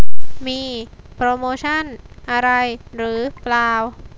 มีโปรโมชั่นอะไรหรือเปล่า